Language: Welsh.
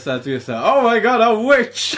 Fatha dwi fatha Oh my god a witch!